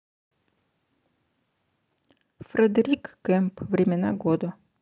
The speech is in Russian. фредерик кемп времена года